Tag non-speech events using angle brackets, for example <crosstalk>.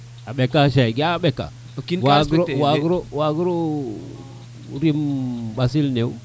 a ɓeka Cheikh ga a ɓeka wa giro wagiro <crosstalk> rim mbasil ndew te xes no mbin